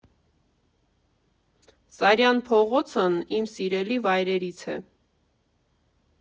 Սարյան փողոցն իմ սիրելի վայրերից է։